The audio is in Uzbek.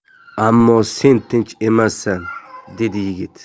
ammo sen tinch emassan dedi yigit